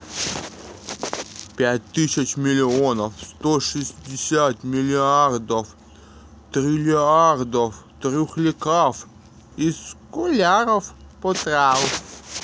пять тысяч миллионов сто шестьдесят миллиардов триллиардов трухляков из сколяров потрал